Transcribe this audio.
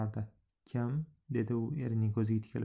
kim dedi u erining ko'ziga tikilib